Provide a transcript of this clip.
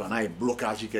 A n'a ye bulonsi kɛ